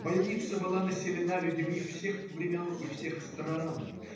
Больница была населена людьми всех времен и всех стран.